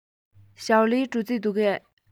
ཞའོ ལིའི འགྲོ རྩིས འདུག གས